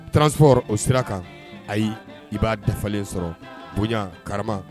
Transport o sira kan, ayi! I b'a dafalen sɔrɔ, bonya ,karama